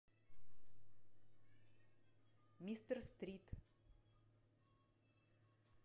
мистер стрит